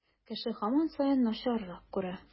Кеше һаман саен начаррак күрә.